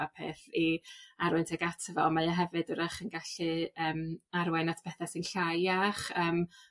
a peth i arwain tuag ato fo mae e hefyd 'w'rach yn gallu yym arwain at bethe sy'n llai iach yym